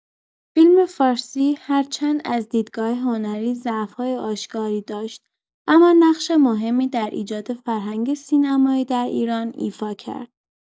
فیلم‌فارسی هرچند از دیدگاه هنری ضعف‌های آشکاری داشت، اما نقش مهمی در ایجاد فرهنگ سینمایی در ایران ایفا کرد.